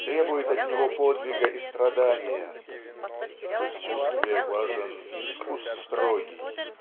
требует от него подвига и страдания ("в искусстве важен искус строгий"